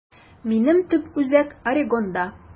Минем төп үзәк Орегонда.